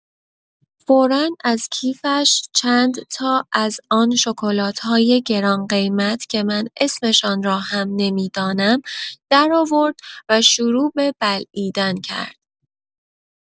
فورا از کیفش چند تا از آن شکلات‌های گران‌قیمت که من اسمشان را هم نمی‌دانم درآورد و شروع به بلعیدن کرد.